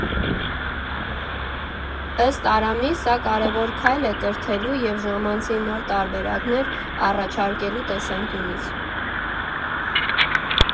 Ըստ Արամի, սա կարևոր քայլ է կրթելու և ժամանցի նոր տարբերակներ առաջարկելու տեսանկյունից։